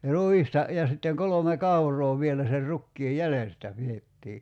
ruista ja sitten kolme kauraa vielä sen rukiin jäljestä pidettiin